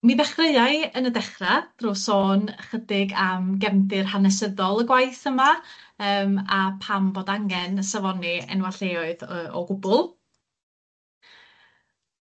Mi ddechreuai yn y dechra drw sôn ychydig am gefndir hanesyddol y gwaith yma yym a pam bod angen safoni yy enwa' lleoedd yy o gwbwl.